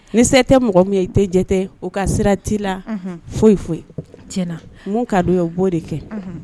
Ni se tɛ mɔgɔ min ye i tɛ jɛ u ka sira' la foyi foyi cɛ mun ka don ye bɔo de kɛ